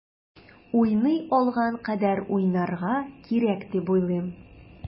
Уйный алган кадәр уйнарга кирәк дип уйлыйм.